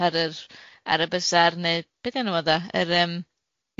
ar y bysar ne be di enw fo d'a, yr yym